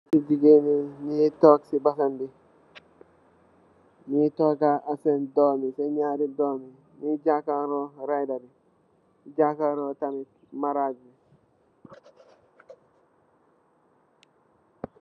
Jigeen yi nyungi tok si basam yi nyungi tok ak sen nyarri dome yi jakarlu rider bi ak jakarlu maraj bi